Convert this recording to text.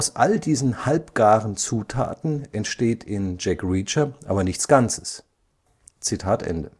all diesen halbgaren Zutaten entsteht in Jack Reacher aber nichts Ganzes. “– critic.de – die Filmseite